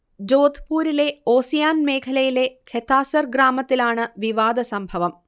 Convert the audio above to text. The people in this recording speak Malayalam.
ജോധ്പൂരിലെ ഓസിയാൻ മേഖലയിലെ ഖെതാസർ ഗ്രാമത്തിലാണ് വിവാദസംഭവം